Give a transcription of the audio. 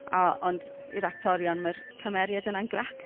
A... ond i'r actorion mae'r cymeriad yna'n grac.